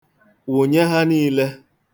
Wụnye ha niile.